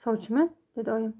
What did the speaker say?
sovchimi dedi oyim